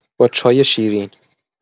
با چای شیرین